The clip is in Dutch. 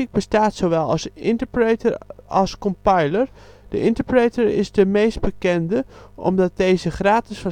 bestaat zowel als interpreter als compiler. De interpreter is de meest bekende, omdat deze gratis